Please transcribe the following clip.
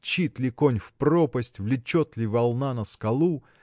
мчит ли конь в пропасть, влечет ли волна на скалу?.